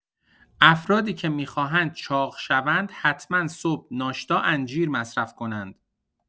افرادی که می‌خواهند چاق شوند، حتما صبح ناشتا انجیر مصرف کنند.